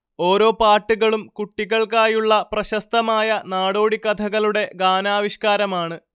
ഓരോ പാട്ടുകളും കുട്ടികൾക്കായുള്ള പ്രശസ്തമായ നാടോടിക്കഥകളുടെ ഗാനാവിഷ്കാരമാണ്